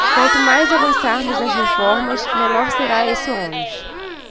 quanto mais avançarmos nas reformas menor será esse ônus